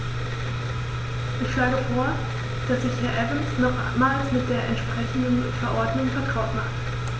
Ich schlage vor, dass sich Herr Evans nochmals mit der entsprechenden Verordnung vertraut macht.